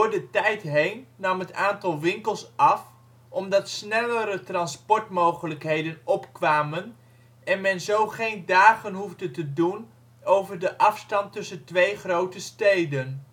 de tijd heen nam het aantal winkels af, omdat snellere transportmogelijkheden opkwamen en men zo geen dagen hoefden te doen over de afstand tussen twee grote steden